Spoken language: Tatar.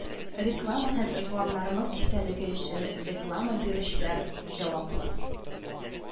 Реклама һәм игъланнарның эчтәлеге өчен реклама бирүчеләр җаваплы